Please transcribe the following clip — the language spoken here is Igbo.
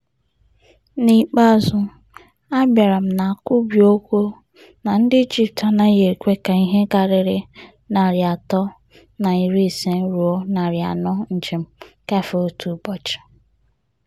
N'ikpeazụ, abịara m ná nkwubi okwu na ndị Ijipt anaghị ekwe ka ihe karịrị 350-400 njem gafee otu ụbọchị.